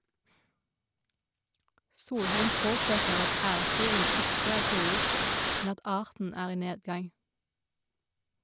Solheim påpeker at ærfuglen ikke er truet, men at arten er i nedgang.